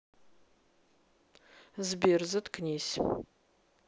сбер заткнись